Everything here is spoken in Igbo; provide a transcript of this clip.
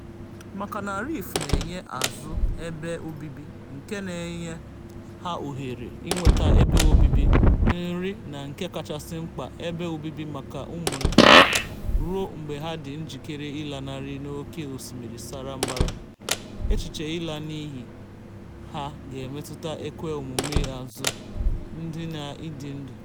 Maka na Reef na-enye azụ̀ ebe obibi nke na-enye ha ohere ịnweta ebe obibi, nri na nke kachasị mkpa, ebe obibi maka ụmụ ha ruo mgbe ha dị njikere ịlanarị n'oké osimiri sara mbara, echiche ịla n'iyi ha ga-emetụta ekwe omume azụ ndị a ịdị ndụ.